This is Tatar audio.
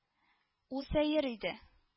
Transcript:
— ул сәер иде